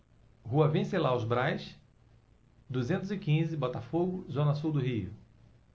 rua venceslau braz duzentos e quinze botafogo zona sul do rio